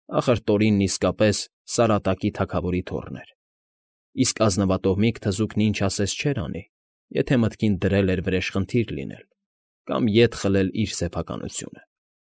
Ախր Տորինն իսկապես Սարատակի թագավորի թոռն էր, իսկ ազնվատոհմիկ թզուկն ինչ ասես չէր անի, եթե մտքին դրել էր վրեժխնդիր լինել կամ ետ խլել իր սեփականությունը։